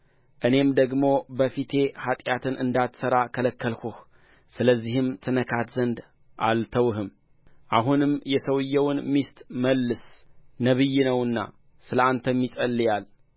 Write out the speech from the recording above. እኔም ደግሞ በፊቴ ኃጢአትን እንዳትሠራ ከለከልሁህ ስለዚህም ትነካት ዘንድ አልተውሁም አሁንም የሰውዬውን ሚስት መልስ ነቢይ ነውና ስለ አንተም ይጸልያል